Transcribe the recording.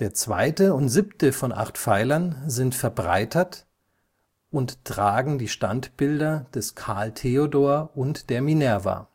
zweite und siebte von acht Pfeilern sind verbreitert und tragen die Standbilder des Karl Theodor und der Minerva